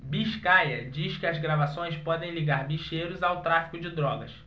biscaia diz que gravações podem ligar bicheiros ao tráfico de drogas